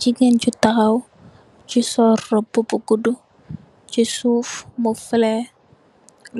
Gigen ju tahaw bu sol rubu bu gudu. Si sof mu fle